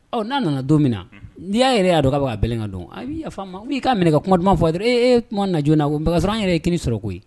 Ɔ n'a nana don min na n'i y'a yɛrɛ y'a dɔn k'a bɛ k'a bɛlɛn ka don, a i bɛ yaf'a ma, ou bien i k'a minɛ ka kuma duma fɔ a ye dɔrɔn ee ma na joona kasɔrɔ an yɛrɛ kini sɔrɔ koyi